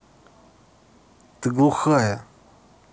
ты глухая